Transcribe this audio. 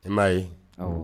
I m'a ye